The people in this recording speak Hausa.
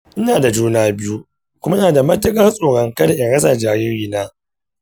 ina da juna biyu kuma ina matuƙar tsoron rasa jaririna.